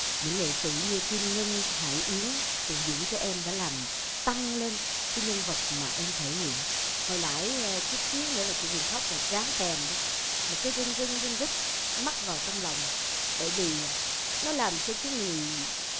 những nghệ sĩ như kim ngân hải yến phụ diễn cho em đã làm tăng lên cái nhân vật mà em thể hiện hồi nãy chút xíu nữa là chị huyền khóc rồi ráng kèm đó mà cứ rưng rưng rưng rức mắc vào trong lòng bởi vì nó làm cho cái người